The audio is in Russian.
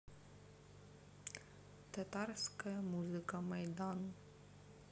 татарская музыка майдан